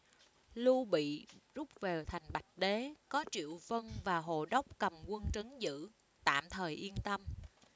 lưu bị rút về thành bạch đế có triệu vân và hồ đốc cầm quân trấn giữ tạm thời yên tâm